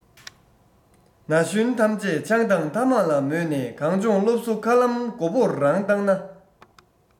ན གཞོན ཐམས ཅན ཆང དང ཐ མག ལ མོས ནས གངས ལྗོངས སློབ གསོ མཁའ ལམ མགོ པོར རང བཏང ན